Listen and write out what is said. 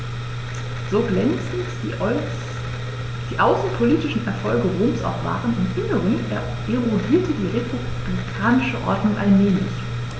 So glänzend die außenpolitischen Erfolge Roms auch waren: Im Inneren erodierte die republikanische Ordnung allmählich.